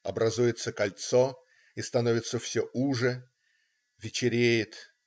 Образуется кольцо и становится все уже. Вечереет.